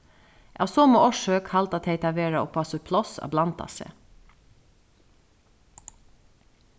av somu orsøk halda tey tað vera upp á sítt pláss at blanda seg